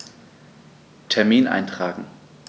Termin eintragen